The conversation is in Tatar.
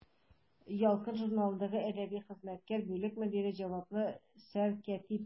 «ялкын» журналында әдәби хезмәткәр, бүлек мөдире, җаваплы сәркәтиб.